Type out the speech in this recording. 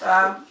waaw